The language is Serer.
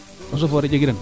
eaux et foret jegiran